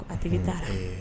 A tigi taara